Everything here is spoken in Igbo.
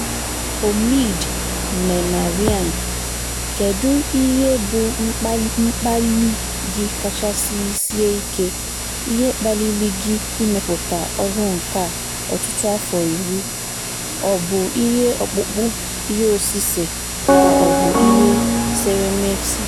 Omid Memarian: Kedu ihe bụ mkpali gị kachasị sie ike, ihe kpaliri gị imepụta ọrụ nkà ọtụtụ afọ iri, ọ bụ ihe ọkpụkpụ, ihe osise, ka ọ bụ ị seremiks?